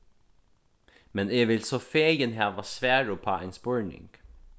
men eg vil so fegin hava svar upp á ein spurning